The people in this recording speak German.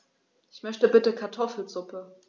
Ich möchte bitte Kartoffelsuppe.